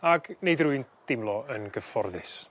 ag neud rywun deimlo yn gyfforddus.